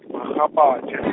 Makgapatše .